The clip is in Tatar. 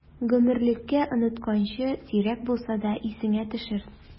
Гомерлеккә онытканчы, сирәк булса да исеңә төшер!